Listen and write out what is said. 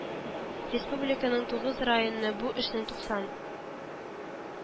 Республиканың тугыз районы бу эшнең туксан